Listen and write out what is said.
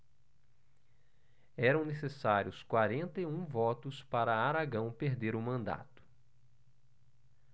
eram necessários quarenta e um votos para aragão perder o mandato